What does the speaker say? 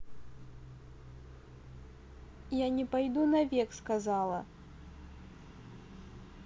я не пойду навек сказала